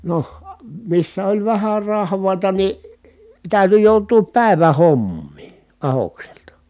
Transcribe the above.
no missä oli vähän rahvaita niin täytyi joutua päivän hommiin ahdokselta